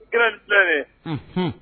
Ukraine filɛ ni ye. Unhun!